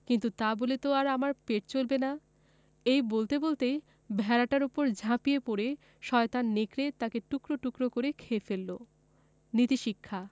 কিন্তু তা বললে তো আর আমার পেট চলবে না এই বলতে বলতেই ভেড়াটার উপর ঝাঁপিয়ে পড়ে শয়তান নেকড়ে তাকে টুকরো টুকরো করে খেয়ে ফেলল নীতিশিক্ষাঃ